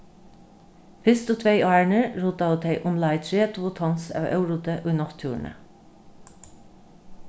fyrstu tvey árini ruddaðu tey umleið tretivu tons av óruddi í náttúruni